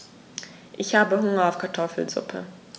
Ich habe Hunger auf Kartoffelsuppe.